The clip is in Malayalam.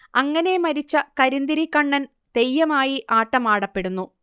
അങ്ങനെ മരിച്ച കരിന്തിരി കണ്ണൻ തെയ്യമായി ആട്ടം ആടപ്പെടുന്നു